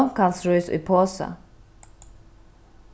blómkálsrís í posa